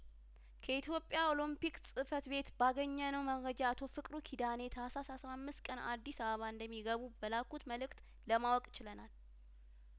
ከኢትዮጵያ ኦሎምፒክ ጽፈት ቤት ባገኘ ነው መረጃ አቶ ፍቅሩ ኪዳኔ ታህሳስ አስራ አምስት ቀን አዲስ አበባ እንደሚገቡ በላኩት መልእክት ለማወቅ ችለናል